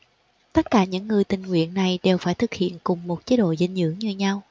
tất cả những người tình nguyện này đều phải thực hiện cùng một chế độ dinh dưỡng như nhau